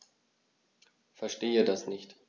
Verstehe das nicht.